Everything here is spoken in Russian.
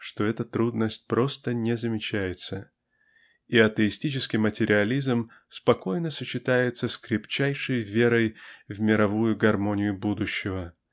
что эта трудность просто не замечается и атеистический материализм спокойно сочетается с крепчайшей верой в мировую гармонию будущего